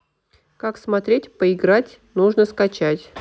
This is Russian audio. как смотреть поиграть нужно скачать